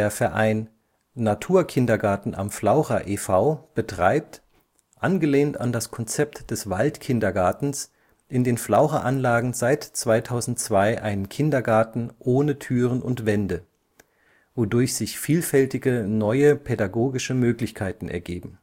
Verein Naturkindergarten am Flaucher e.V. betreibt, angelehnt an das Konzept des Waldkindergartens, in den Flaucheranlagen seit 2002 einen Kindergarten „ ohne Türen und Wände “, wodurch sich vielfältige neue pädagogische Möglichkeiten ergeben